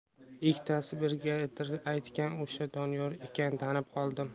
ikkitasi brigadir aytgan o'sha doniyorniki ekanini tanib qoldim